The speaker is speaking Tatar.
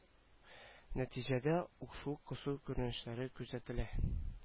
Нәтиҗәдә укшу косу күренешләре күзәтелә